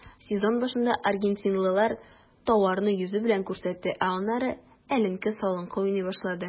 Сезон башында аргентинлылар тауарны йөзе белән күрсәтте, ә аннары эленке-салынкы уйный башлады.